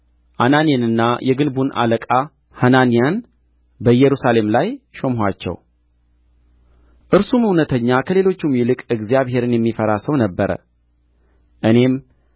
አናኒንና የግንቡን አለቃ ሐናንያን በኢየሩሳሌም ላይ ሾምኋቸው እርሱም እውነተኛ ከሌሎቹም ይልቅ እግዚአብሔርን የሚፈራ ሰው ነበረ እኔም